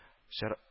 Чара